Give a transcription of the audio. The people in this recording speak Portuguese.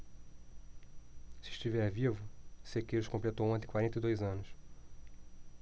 se estiver vivo sequeiros completou ontem quarenta e dois anos